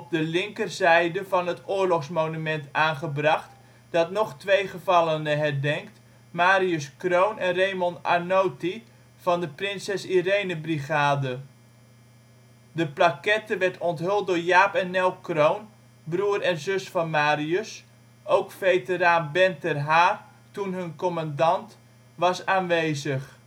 de linker zijde van het oorlogsmonument aangebracht dat nog twee gevallenen herdenkt, Marius Kroon en Raymond Arnoti van de Prinses Irene Brigade. De plaquette werd onthuld door Jaap en Nel Kroon, broer en zuster van Marius. Ook veteraan Ben ter Haar, toen hun commandant, was aanwezig